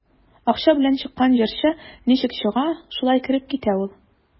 Акча белән чыккан җырчы ничек чыга, шулай кереп китә ул.